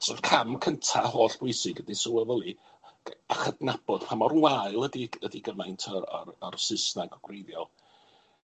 So'r cam cynta hollbwysig ydi sylweddoli, a chydnabod pa mor wael ydi ydi gymaint o o'r o'r Saesnag gwreiddiol.